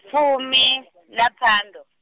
fumi, ḽa phando.